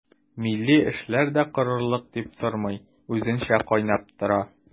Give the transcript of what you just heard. Милли эшләр дә корылык дип тормый, үзенчә кайнап тора.